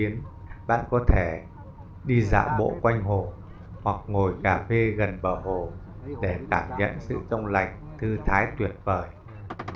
bạn cũng có thể dạo bộ quanh hồ hoặc ngồi cà phê gần bờ hồ để cảm nhận sự trong lành thư thái tuyệt vời